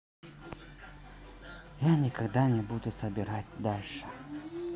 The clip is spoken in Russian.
я никогда не буду собирать дальше